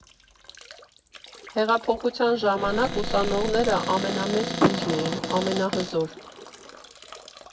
Հեղափոխության ժամանակ ուսանողները ամենամեծ ուժն էին, ամենահզոր։